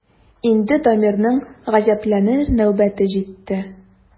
Инде Дамирның гаҗәпләнер нәүбәте җитте.